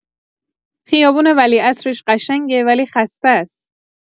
خیابون ولیعصرش قشنگه ولی خسته‌ست.